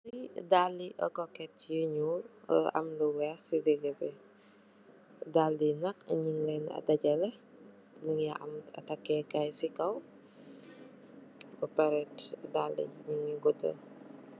Li daali koket yu nuul ar am lu weex si digi bi daalay nak nyun len dagale mongi am take kay si kaw bapare daalay nyugi ko ter.